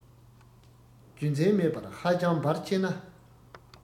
རྒྱུ མཚན མེད པར ཧ ཅང འབར ཆེ ན